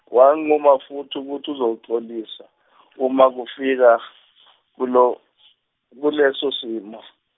wanquma futhi ukuthi uzoxolisa uma kufika, kulo- kuleso simo.